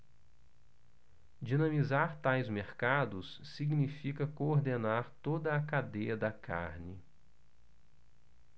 dinamizar tais mercados significa coordenar toda a cadeia da carne